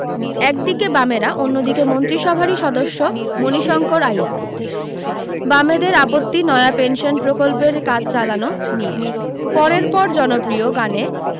এক দিকে বামেরা অন্য দিকে মন্ত্রিসভারি সদস্য মণিশঙ্কর আইয়ার বামেদের আপত্তি নয়া পেনশন প্রকল্পের কাজ চালানো নিয়ে পরের পর জনপ্রিয় গানে